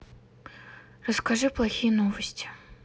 расскажи плохие новости